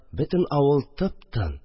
Бөтен авыл тып-тын